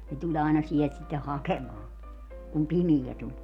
ne tuli aina sieltä sitten hakemaan kun pimeä tuli